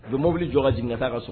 Don mobili jɔ ka jigin ka taa ka so